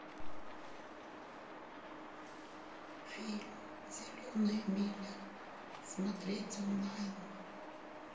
фильм зеленая миля смотреть онлайн